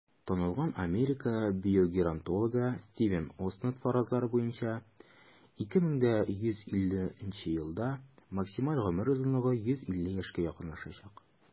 Танылган Америка биогеронтологы Стивен Остад фаразлары буенча, 2150 елга максималь гомер озынлыгы 150 яшькә якынлашачак.